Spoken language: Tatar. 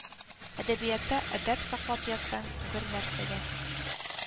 Әдәбиятта әдәп саклап ятсаң, бернәрсәгә